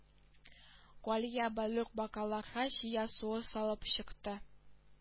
Галия бәллүр бокалларга чия суы салып чыкты